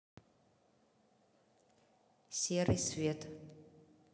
серый свет